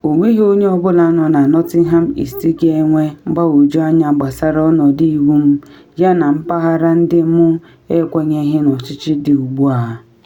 Ọnweghị onye ọ bụla nọ na Nottingham East ga-enwe mgbagwoju anya gbasara ọnọdụ iwu m yana mpaghara ndị mụ ekwenyeghị n’ọchịchị dị ugbu a.